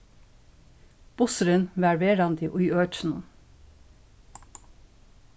bussurin varð verandi í økinum